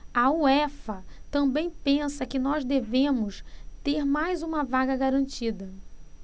a uefa também pensa que nós devemos ter mais uma vaga garantida